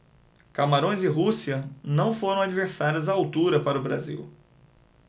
camarões e rússia não foram adversários à altura para o brasil